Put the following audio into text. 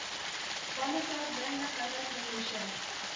Банклар белән дә хәлләр төрлечә